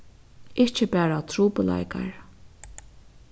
ikki bara trupulleikar